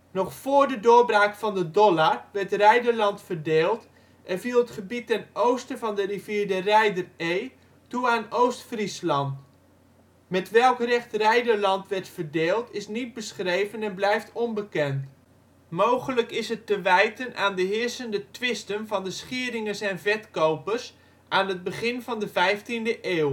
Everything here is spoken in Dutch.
Nog vóór de doorbraak van de Dollard werd Reiderland verdeeld en viel het gebied ten oosten van rivier de Reider Ee toe aan Oost-Friesland. Met welk recht Reiderland werd verdeeld is niet beschreven en blijft onbekend. Mogelijk is het te wijten aan de heersende twisten van de Schieringers en Vetkopers en aan het begin van de vijftiende eeuw